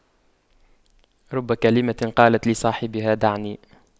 رب كلمة قالت لصاحبها دعني